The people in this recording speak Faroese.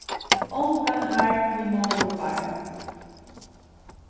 ongan harm við móðurbarm